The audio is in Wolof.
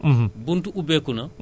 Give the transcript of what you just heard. mais amuñu opportunité bi